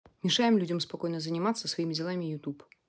мешаем людям спокойно заниматься своими делами youtube